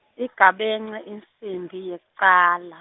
Igabence insimbi yekucala.